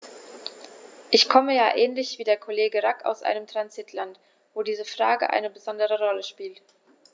Ich komme ja ähnlich wie der Kollege Rack aus einem Transitland, wo diese Frage eine besondere Rolle spielt.